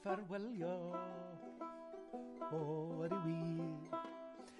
ffarwelio o ydi wir.